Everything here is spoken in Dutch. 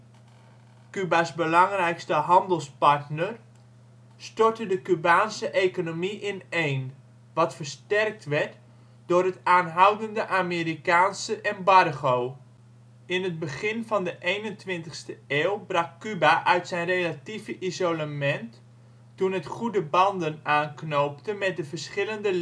Cuba 's belangrijkste handelspartner, stortte de Cubaanse economie ineen, wat versterkt werd door het aanhoudende Amerikaanse embargo. In het begin van de 21e eeuw brak Cuba uit zijn relatieve isolement, toen het goede banden aanknoopte met de verschillende